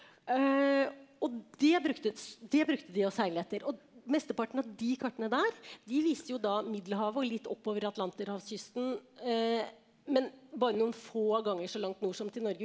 og det brukte det brukte de og seile etter og mesteparten av de kartene der de viste jo da Middelhavet og litt oppover Atlanterhavskysten men bare noen få ganger så langt nord som til Norge.